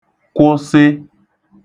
kwụsị